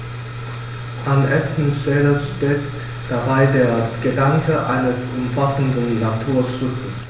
An erster Stelle steht dabei der Gedanke eines umfassenden Naturschutzes.